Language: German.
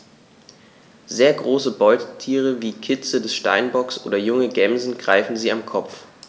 Sehr große Beutetiere wie Kitze des Steinbocks oder junge Gämsen greifen sie am Kopf.